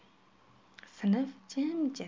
sinf jimjit